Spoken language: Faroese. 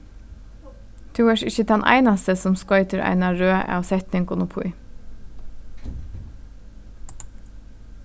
tú ert ikki tann einasti sum skoytir eina røð av setningum uppí